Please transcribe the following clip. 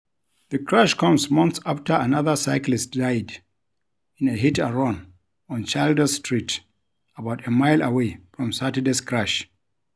The crash comes months after another cyclist died in a hit-and-run on Childers Street, about a mile away from Saturday's crash.